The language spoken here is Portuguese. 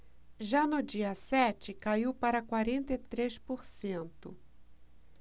já no dia sete caiu para quarenta e três por cento